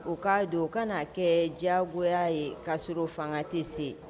o k'a don u kan'a kɛ diyagoya ye k'a sɔrɔ fanga tɛ se